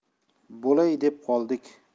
bo'lay deb qoldik